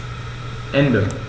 Ende.